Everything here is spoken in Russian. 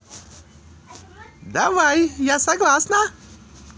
давай я согласна